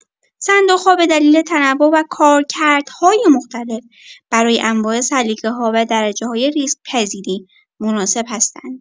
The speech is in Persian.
صندوق‌ها به دلیل تنوع و کارکردهای مختلف، برای انواع سلیقه‌ها و درجه‌های ریسک‌پذیری مناسب هستند.